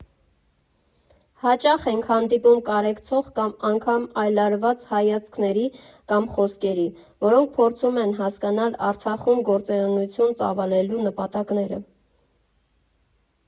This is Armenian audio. Հաճախ ենք հանդիպում կարեկցող կամ անգամ այլայլված հայացքների կամ խոսքերի, որոնք փորձում են հասկանալ Արցախում գործունեություն ծավալելու նպատակները։